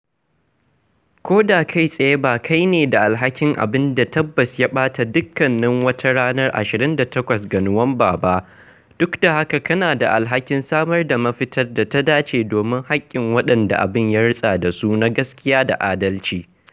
Ko da kai tsaye ba kai ne da alhakin abin da tabbas ya ɓata dukkanin wata ranar 28 ga Nuwamba ba, duk da haka kana da alhakin samar da mafitar da ta dace domin haƙƙin waɗanda abin ya rutsa da su na gaskiya da adalci …